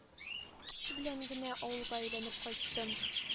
Кич белән генә авылга әйләнеп кайттым.